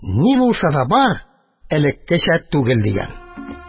Ни булса да бар, элеккечә түгел, – ди.